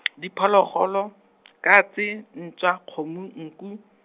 diphologolo , katse ntswa kgomo nku.